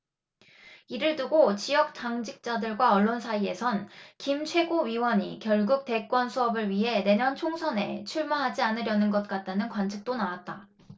이를 두고 지역 당직자들과 언론 사이에선 김 최고위원이 결국 대권 수업을 위해 내년 총선에 출마하지 않으려는 것 같다는 관측도 나왔다